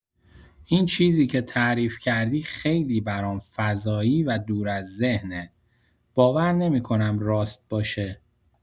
این چیزی که تعریف کردی خیلی برام فضایی و دور از ذهنه، باور نمی‌کنم راست باشه!